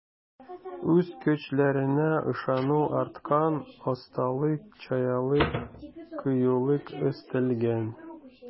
Үз көчләренә ышану арткан, осталык, чаялык, кыюлык өстәлгән.